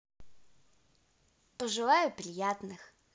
пожелаю приятных